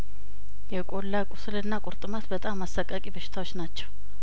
የቆላ ቁስልና ቁርጥማት በጣም አሰቃቂ በሽታዎች ናቸው